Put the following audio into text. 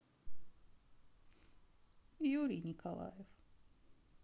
юрий николаев